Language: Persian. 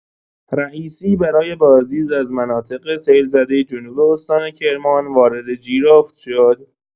رئیسی برای بازدید از مناطق سیل‌زده جنوب استان کرمان، وارد جیرفت شد.